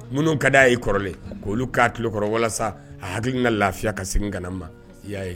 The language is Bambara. Minnu ka d y' y'i kɔrɔlen k' oluolu k'a ki kɔrɔ walasa a hakiliki ka lafiya ka seging ma i y'a ye